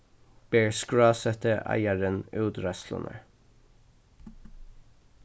ber skrásetti eigarin útreiðslurnar